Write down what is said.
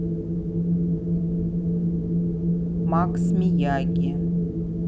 макс мияги